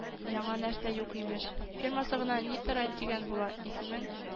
Яңа нәрсә юк имеш. фирмасы гына ни тора, дигән була